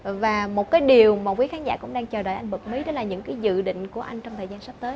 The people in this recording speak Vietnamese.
và một cái điều mà quý khán giả cũng đang chờ đợi anh bật mí đó là những cái dự định của anh trong thời gian sắp tới